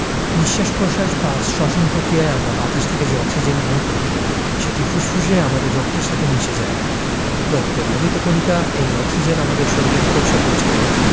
নিঃশ্বাস প্রশ্বাস বা শ্বসন প্রক্রিয়ায় আমরা বাতাস থেকে যে অক্সিজেন গ্রহণ করি সেটি ফুসফুসে আমাদের রক্তের সাথে মিশে যায় রক্তের লোহিত কণিকা এই অক্সিজেন আমাদের শরীরের কোষে পৌছে দেয়